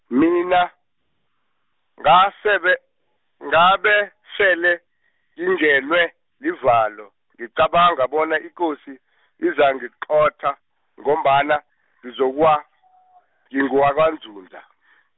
mina, ngasebe- ngabesele, ngingenwe livalo ngiqabanga bona ikosi, izangiqotha ngombana, ngizowa- ngingowamaNzunza .